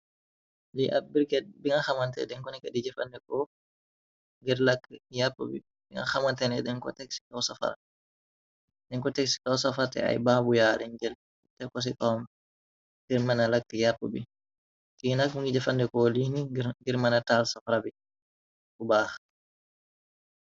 Li ab briqet bi nga xamante denko nekat yi jëfandekoo ngir làkk yàpp bi binga xamantene denko teg ci low safarte ay baabu yaale njël te ko ci tam ngir mëna lakk yàpp bi ci nak m ngi jëfandekoo lini nir ngir mëna taal-safara bi bu baax.